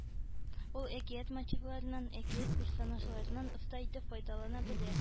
Ул әкият мотивларыннан, әкият персонажларыннан оста итеп файдаланабелә